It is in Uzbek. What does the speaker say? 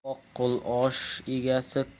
oq qo'l osh egasi